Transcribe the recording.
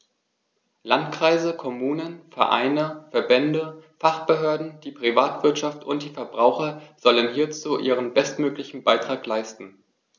Landkreise, Kommunen, Vereine, Verbände, Fachbehörden, die Privatwirtschaft und die Verbraucher sollen hierzu ihren bestmöglichen Beitrag leisten.